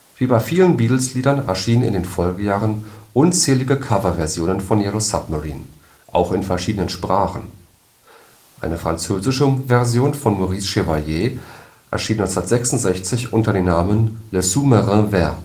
Wie bei vielen Beatles-Liedern erschienen in den Folgejahren unzählige Cover-Versionen von „ Yellow Submarine “– auch in verschiedenen Sprachen. Eine französische Version von Maurice Chevalier erschien 1966 unter dem Namen „ Le sous-marin